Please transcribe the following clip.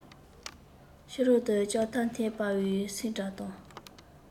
ཕྱི རོལ དུ ལྕགས ཐག འཐེན པའི སིང སྒྲ དང